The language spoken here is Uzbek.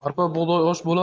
arpa bug'doy osh bo'lar